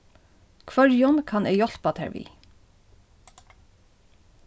hvørjum kann eg hjálpa tær við